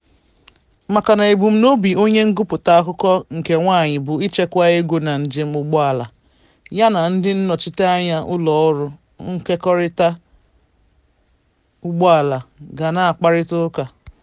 Maka na ebumnobi onye ngụpụta akụkọ nke nwaanyị bụ ịchekwa ego na njem ụgbọala, ya na ndị nnọchiteanya ụlọọrụ nkekọrịta ụgbọala ga na-akparịtaụka.